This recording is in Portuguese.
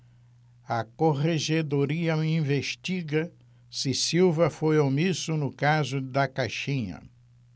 a corregedoria investiga se silva foi omisso no caso da caixinha